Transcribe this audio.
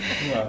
waaw